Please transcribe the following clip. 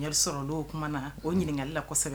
Ɲɛ sɔrɔ la o kumana na o ɲininkakali la kosɛbɛ.